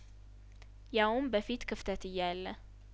ያውም በፊት ክፍተት እያለ